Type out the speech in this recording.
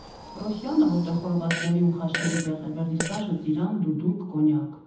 Պռոշյանը, որտեղ խորովածների ու խաշերի տեղ է, Վերնիսաժը՝ ծիրան, դուդուկ, կոնյակ…